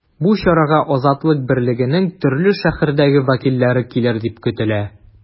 Бу чарага “Азатлык” берлегенең төрле шәһәрдәге вәкилләре килер дип көтелә.